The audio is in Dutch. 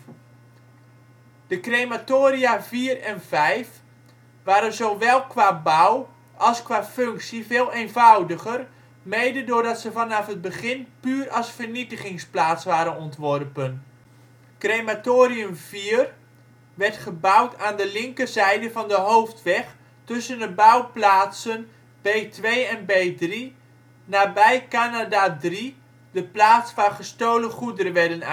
De crematoria IV en V waren zowel qua bouw als qua functie veel eenvoudiger, mede doordat ze vanaf het begin puur als vernietigingsplaats waren ontworpen. Crematorium IV werd gebouwd aan de linkerzijde van de hoofdweg tussen de bouwplaatsen BII en BIII, nabij Kanada III (de plaats waar gestolen goederen werden